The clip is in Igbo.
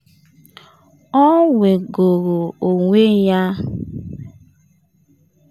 Ọ nwegoro onwe ya.